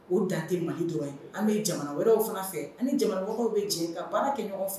O dan tɛ Mali dɔrɔn ye. An bɛ jamana wɛrɛw fana fɛ ani jamana wɛrɛw bɛ jɛn ka baara kɛ ɲɔgɔn fɛ